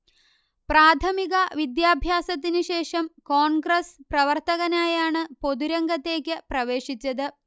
പ്രാഥമിക വിദ്യഭ്യാസത്തിന് ശേഷം കോൺഗ്രസ് പ്രവർത്തകനായാണ് പൊതുരംഗത്തേക്ക് പ്രവേശിച്ചത്